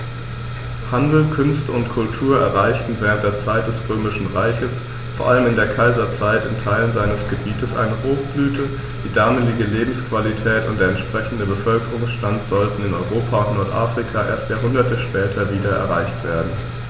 Handel, Künste und Kultur erreichten während der Zeit des Römischen Reiches, vor allem in der Kaiserzeit, in Teilen seines Gebietes eine Hochblüte, die damalige Lebensqualität und der entsprechende Bevölkerungsstand sollten in Europa und Nordafrika erst Jahrhunderte später wieder erreicht werden.